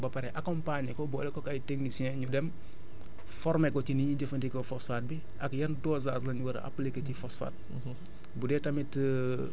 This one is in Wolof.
xool ban quantité de phosphate la ko mun a jox ba pare accompagné ko boolekoog ay techniciens ñu dem formé ko ci ni ñuy jëfandikoo phosphate bi ak yan dosage la ñu war a appliqué